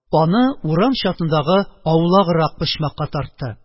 Аны урам чатындагы аулаграк почмакка тартты